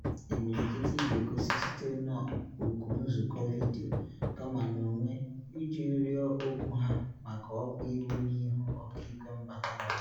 Imirikiti ga-egosi site na oku nzụkọ vidio, kama n’onwe, iji rịọ okwu ha maka ọkwa iwu n’ihu ọkaikpe mbata na ọpụpụ.